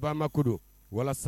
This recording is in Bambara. walasa